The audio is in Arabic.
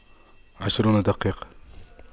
عشرون دقيقة